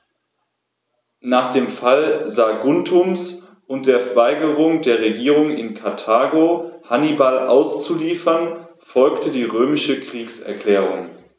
Nach dem Fall Saguntums und der Weigerung der Regierung in Karthago, Hannibal auszuliefern, folgte die römische Kriegserklärung.